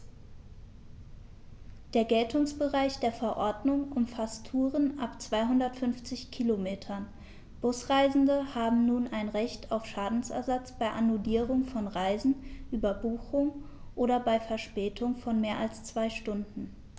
Der Geltungsbereich der Verordnung umfasst Touren ab 250 Kilometern, Busreisende haben nun ein Recht auf Schadensersatz bei Annullierung von Reisen, Überbuchung oder bei Verspätung von mehr als zwei Stunden.